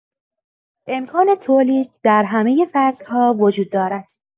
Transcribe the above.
امکان تولید در همه فصل‌ها وجود دارد.